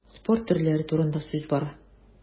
Спорт төрләре турында сүз бара.